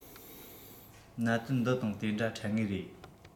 གནད དོན འདི དང དེ འདྲ འཕྲད ངེས རེད